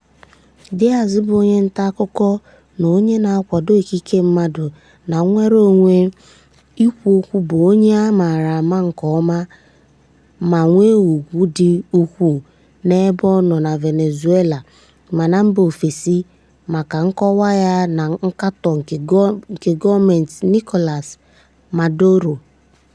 Díaz bụ onye nta akụkọ na onye na-akwado ikike mmadụ na nnwere onwe ikwu okwu bụ onye a maara nke ọma ma nwee ùgwù dị ukwuu n'ebe ọ nọ na Venezuela ma na mba ofesi maka nkọwa ya na nkatọ nke gọọmentị Nicolas Maduro.